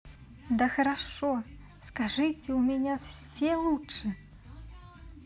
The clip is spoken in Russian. да хорошо скажите у меня все лучше